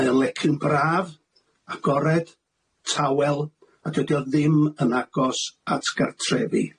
Mae o'n lecyn braf, agored, tawel, a dydi o ddim yn agos at gartrefi.